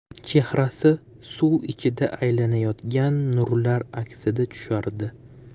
chehrasi suv ichida aylanayotgan nurlar aksida tushardi